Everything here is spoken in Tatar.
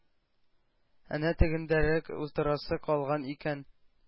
Әнә тегендәрәк утырасы калган икән”,